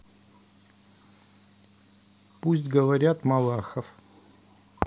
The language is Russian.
пусть говорят малахов